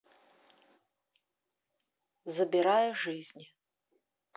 забирая жизни